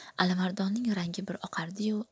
alimardonning rangi bir oqardi yu